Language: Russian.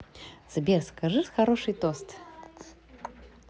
сбер скажи хороший тост